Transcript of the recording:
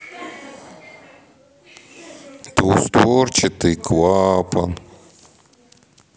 двустворчатый клапан